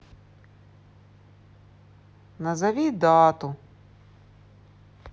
назови дату